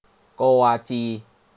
โกวาจี